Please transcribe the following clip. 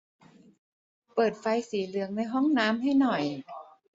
เปิดไฟสีเหลืองในห้องน้ำให้หน่อย